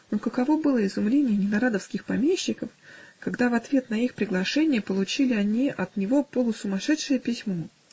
Но каково было изумление ненарадовских помещиков, когда в ответ на их приглашение получили они от него полусумасшедшее письмо!